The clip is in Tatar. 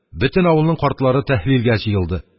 Бөтен авылның картлары тәһлилгә җыелды.